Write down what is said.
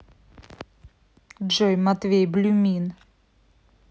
джой матвей блюмин